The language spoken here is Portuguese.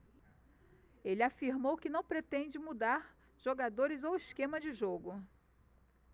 ele afirmou que não pretende mudar jogadores ou esquema de jogo